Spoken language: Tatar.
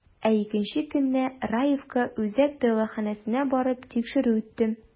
Ә икенче көнне, Раевка үзәк дәваханәсенә барып, тикшерү үттем.